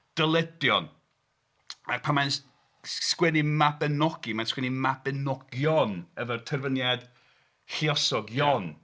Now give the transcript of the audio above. Dyledion a pan mae'n s- sg- 'sgwennu 'Mabiniogi' mae'n 'sgwennu 'Mabiniogion' efo'r terfyniad lluosog '-ion'.